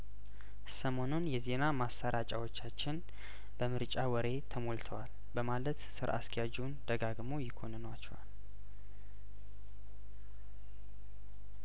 ሰሞኑን የዜና ማሰራጫ ዎቻችን በምርጫ ወሬ ተሞልተዋል በማለት ስራ አስኪያጁን ደጋግሞ ይኮንኗቸዋል